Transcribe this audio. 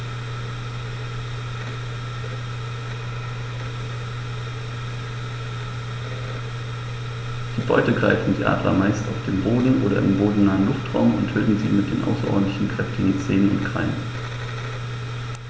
Die Beute greifen die Adler meist auf dem Boden oder im bodennahen Luftraum und töten sie mit den außerordentlich kräftigen Zehen und Krallen.